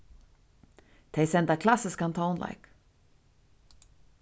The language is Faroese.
tey senda klassiskan tónleik